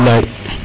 bilaay